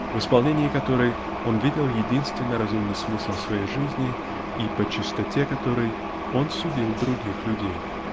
в исполнении которой он видел единственный разумный смысл своей жизни и по чистоте которой он судил других людей.